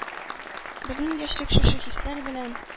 Безнең яшьлек шушы хисләр белән